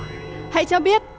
hãy cho biết